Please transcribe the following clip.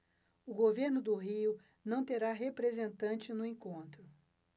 o governo do rio não terá representante no encontro